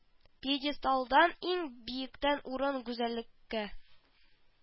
Пьедесталдан иң биектән урын гүзәллеккә